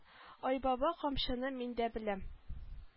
Айбаба камчыны мин дә беләм